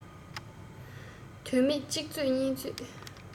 དོན མེད གཅིག རྩོད གཉིས རྩོད